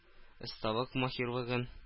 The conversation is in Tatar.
Осталык-маһирлыгын